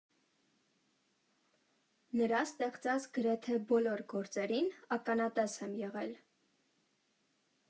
Նրա ստեղծած գրեթե բոլոր գործերին ականատես եմ եղել։